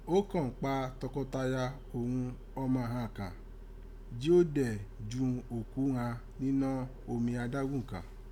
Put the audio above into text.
Ó kàn pa tọkọtaya òghun ọma ghan kàn, ji ó dẹ̀n jù oku ghan ninọ́ omi adágún kàn.